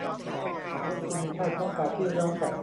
ฉันรู้สึกมีไข้เพราะอากาศที่ร้อนจัด